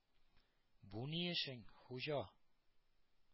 — бу ни эшең, хуҗа?